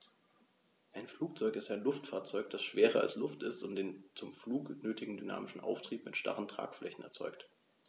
Ein Flugzeug ist ein Luftfahrzeug, das schwerer als Luft ist und den zum Flug nötigen dynamischen Auftrieb mit starren Tragflächen erzeugt.